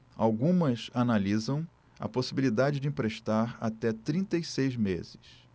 algumas analisam a possibilidade de emprestar até trinta e seis meses